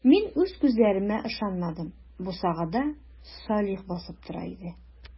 Мин үз күзләремә ышанмадым - бусагада Салих басып тора иде.